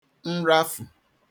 nrafù